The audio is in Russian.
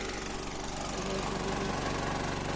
я это видел